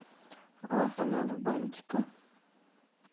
Վախենալու բան չկա։